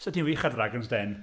'Set ti'n wych ar Dragon's Den!